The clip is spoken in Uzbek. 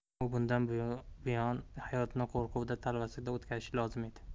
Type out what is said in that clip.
u bundan buyongi hayotini qo'rquvda talvasada o'tkazishi lozim edi